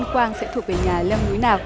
quang sẽ thuộc về nhà leo núi nào